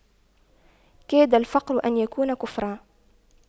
كاد الفقر أن يكون كفراً